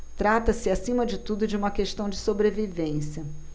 trata-se acima de tudo de uma questão de sobrevivência